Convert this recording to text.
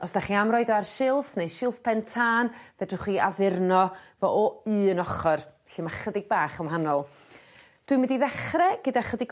Os 'dych chi am roid o ar shilff neu shilff pen tân fedrwch chi addurno fo o un ochor, lle ma' chydig bach yn wahanol. Dwi mynd i ddechre gyda chydig